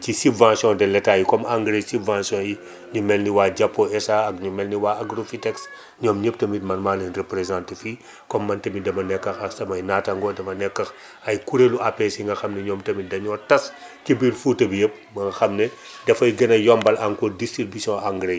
ci subvention de l' etat yi comme engrais subventions yi ñu mel ni waa Jappoo SA ak ñu mel ni waa Agrofitex ñoom ñëpp tamit man maa leen représenté fii comme man tamit dama nekk ak samay naattango dama nekk ak ay kuréelu APS yi nga nga xam ne ñoom tamit dañoo tas ci biir Fouta bi yëpp ba nga xam ne dafay gën a yombal encore distribution engrais yi